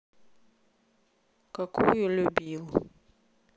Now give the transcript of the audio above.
какую любил